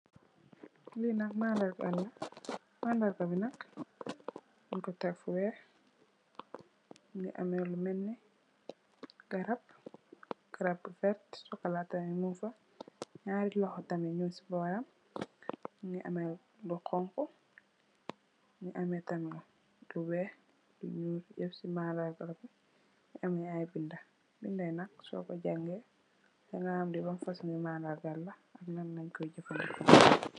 Lii nak mandarga la, mandarga bu nak, ñung ko tek fu weex, mu ngi am lu melni garab, garab bu werta, sokolaa tam muñg fa, ñaari loxo tam muñg si bóoram, muñgi amee lu xoñxu, mu ngi amee tamit lu weex, mu ngi amee ay bindë. Binda yi nak soo ko jangee, di nga xam lii ban fasoñ mandarga la, ak luñ Koy jafëndeko.